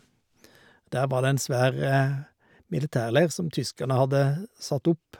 Der var det en svær militærleir som tyskerne hadde satt opp.